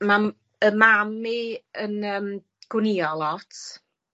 Ma'n 'yn mam i yn yym gwnïo lot.